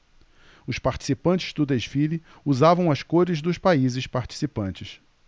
os participantes do desfile usavam as cores dos países participantes